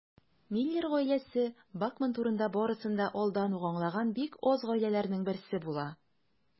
Миллер гаиләсе Бакман турында барысын да алдан ук аңлаган бик аз гаиләләрнең берсе була.